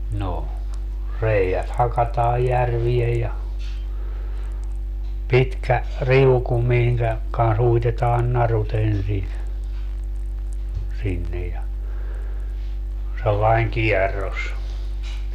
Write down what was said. no reiät hakataan järveen ja pitkä riuku minkä kanssa uitetaan narut ensin sinne ja sellainen kierros